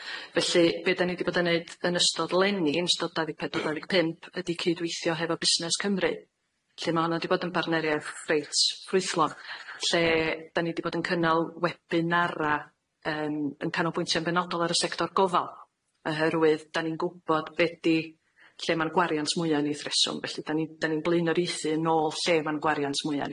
Felly be da ni 'di bod yn neud yn ystod leni yn ystod dau deg pedwar dau ddeg pump ydi cydweithio hefo Busnes Cymru lle ma' honna di bod yn barneriaeth reit ffrwythlon lle da ni di bod yn cynnal webinara yym yn canolbwyntio yn benodol ar y sector gofal, oherwydd da ni'n gwbod be di lle ma'r gwariant mwya ni threswm felly da ni da ni'n blaenoriaethu nôl lle ma'n gwariant mwya ni.